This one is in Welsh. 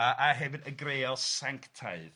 Yy a hefyd y greol sanctaidd.